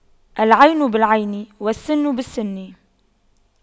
العين بالعين والسن بالسن